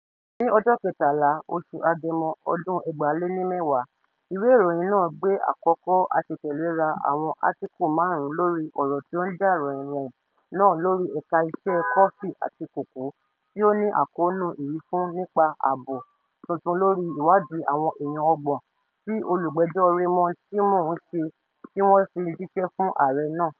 Ní ọjọ́ Kẹtàlá oṣù Agẹmọ, ọdún 2010 ìwé ìròyìn náà gbé àkọ́kọ́ àṣetẹ̀léra àwọn átíkù márùn-ún lórí "ọ̀rọ̀ tí ó ń jà ròhìnròhìn" náà lórí ẹ̀ka iṣẹ́ kọfí àti kòkó tí ó ní àkóónú ìwífún nípa àbọ̀ tuntun lórí ìwádìí àwọn èèyàn 30 tí olùgbẹ́jọ́ Raymond Tchimou ń ṣe tí wọ́n fi jíṣẹ́ fún ààrẹ náà.